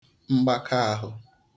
mgbaka ahụ